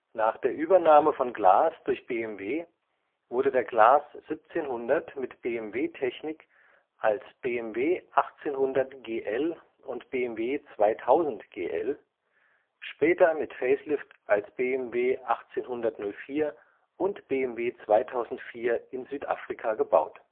Nach der Übernahme von Glas durch BMW wurde der Glas 1700 mit BMW-Technik (Motor/Getriebe) als BMW 1800 GL und BMW 2000 GL, später mit Facelift als BMW 1804 und BMW 2004 in Südafrika gebaut